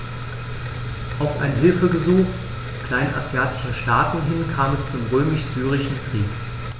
Auf ein Hilfegesuch kleinasiatischer Staaten hin kam es zum Römisch-Syrischen Krieg.